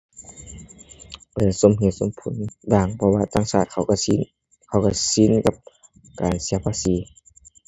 เออ สมเหตุสมผลบ้าง เพราะว่าต่างชาติเขาก็ชิน เขาก็ชินกับการเสียภาษี